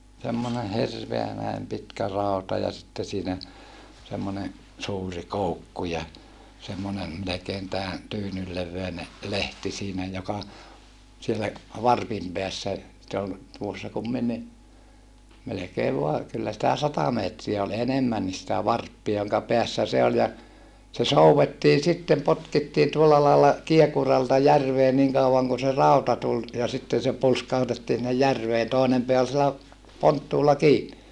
semmoinen hirveä näin pitkä rauta ja sitten siinä semmoinen suuri koukku ja semmoinen melkein tämän tyynyn levyinen lehti siinä joka siellä varpin päässä se oli tuossa kumminkin melkein vain kyllä sitä sata metriä oli enemmänkin sitä varppia jonka päässä se oli ja se soudettiin sitten potkittiin tuolla lailla kiekuralta järveen niin kauan kuin se rauta tuli ja sitten se pulskautettiin sinne järveen toinen pää oli siellä ponttuulla kiinni